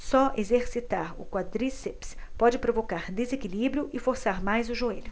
só exercitar o quadríceps pode provocar desequilíbrio e forçar mais o joelho